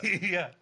Ia.